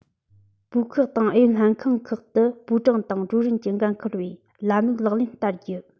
པུའུ ཁག དང ཨུ ཡོན ལྷན ཁང ཁག ཏུ པུའུ ཀྲང དང ཀྲུའུ རེན གྱིས འགན འཁུར བའི ལམ ལུགས ལག ལེན བསྟར རྒྱུ